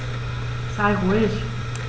Sei ruhig.